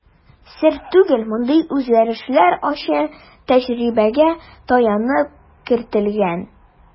Сер түгел, мондый үзгәрешләр ачы тәҗрибәгә таянып кертелгән.